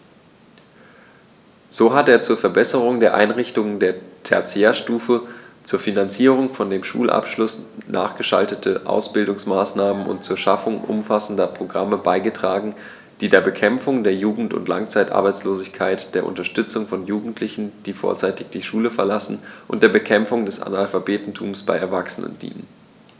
So hat er zur Verbesserung der Einrichtungen der Tertiärstufe, zur Finanzierung von dem Schulabschluß nachgeschalteten Ausbildungsmaßnahmen und zur Schaffung umfassender Programme beigetragen, die der Bekämpfung der Jugend- und Langzeitarbeitslosigkeit, der Unterstützung von Jugendlichen, die vorzeitig die Schule verlassen, und der Bekämpfung des Analphabetentums bei Erwachsenen dienen.